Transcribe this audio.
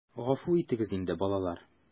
Гафу итегез инде, балалар...